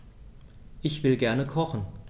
Ich will gerne kochen.